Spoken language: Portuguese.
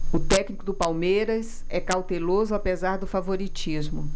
o técnico do palmeiras é cauteloso apesar do favoritismo